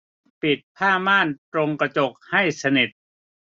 ปิดผ้าม่านตรงกระจกให้สนิท